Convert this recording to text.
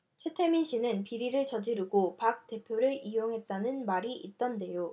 최태민씨는 비리를 저지르고 박 대표를 이용했다는 말이 있던데요